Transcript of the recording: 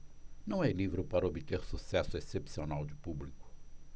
não é livro para obter sucesso excepcional de público